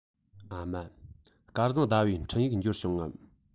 ཨ མ སྐལ བཟང ཟླ བའི འཕྲིན ཡིག འབྱོར བྱུང ངམ